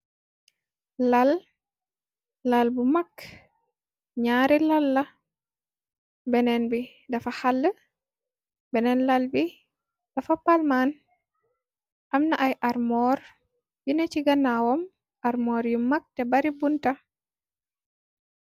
Lal, lal bu mak, njaari lal la, benen bi dafa xall, benen lal bi dafa palmaan, amna ay armoor yuneh chi ganaawam, armoor yu mak teh bari bunta.